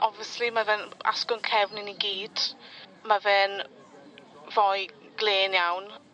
obviously ma' fe'n asgwrn cefn i ni gyd ma' fen foi glên iawn.